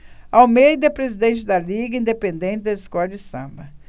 almeida é presidente da liga independente das escolas de samba